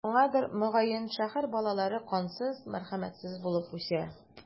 Шуңадыр, мөгаен, шәһәр балалары кансыз, мәрхәмәтсез булып үсә.